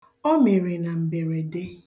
O mere na mberede.